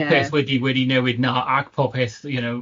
Mae pob peth wedi wedi newid naw ac pob peth you know,